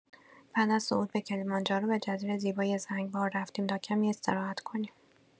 بعد از صعود به کلیمانجارو، به جزیره زیبای زنگبار رفتیم تا کمی استراحت کنیم.